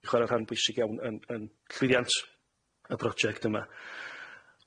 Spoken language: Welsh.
n'w 'di chware rhan bwysig iawn yn yn llwyddiant y project yma.